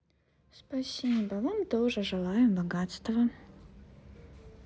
спасибо вам тоже желаю богатства